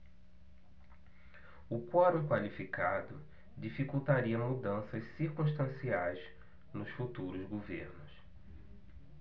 o quorum qualificado dificultaria mudanças circunstanciais nos futuros governos